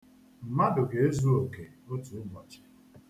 Mmadụ ga-ezu oke otu ụbochị.